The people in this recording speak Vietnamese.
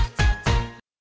anh